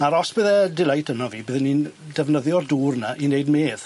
Nawr os bydd y delight arno fi bydden ni'n defnyddio'r dŵr 'na i neud medd.